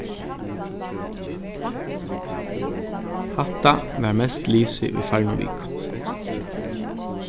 hatta var mest lisið í farnu viku